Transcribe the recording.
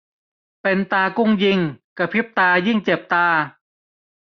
เป็นตากุ้งยิงกระพริบตายิ่งเจ็บตา